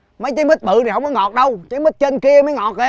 mấy trái mít bự này không có ngọt đâu trái trên kia mới ngọt kìa